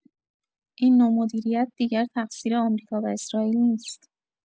این نوع مدیریت دیگر تقصیر آمریکا و اسرائیل نیست.